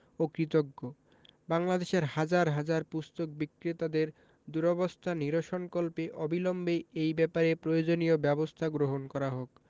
ও কৃতজ্ঞ বাংলাদেশের হাজার হাজার পুস্তক বিক্রেতাদের দুরবস্থা নিরসনকল্পে অবিলম্বে এই ব্যাপারে প্রয়োজনীয় ব্যাবস্থা গ্রহণ করা হোক